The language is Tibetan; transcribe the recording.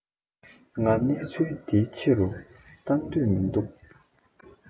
ང གནས ཚུལ འདི ཆེ རུ བཏང འདོད མི འདུག